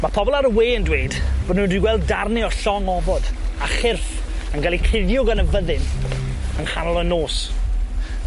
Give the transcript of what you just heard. ma' pobol ar y we yn dweud bo' nw 'di gweld darne o llong ofod a chyrff yn ga'l eu cuddio gan y fyddin yng nghanol y nos.